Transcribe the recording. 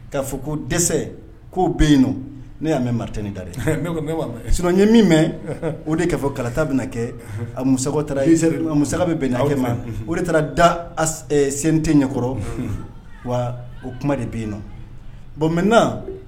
K'a fɔ ko dɛsɛ ko bɛ yen nɔn ne y'a mɛn maritin da dɛ sur ye min mɛn o de ka fɔ kalata bɛ na kɛ a mu taara musa bɛ o de taara da sen tɛ ɲɛkɔrɔ wa o kuma de bɛ yen nɔ bon mɛɛna